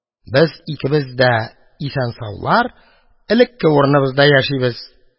Без икебез дә исән-саулар, элекке урыныбызда яшибез.